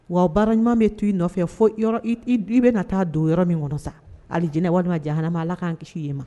Wa baara ɲuman bɛ to i nɔfɛ fo i bɛna taa don yɔrɔ min kɔnɔ sa, Alijala walima Jahanama Alan k'an kisi yen ma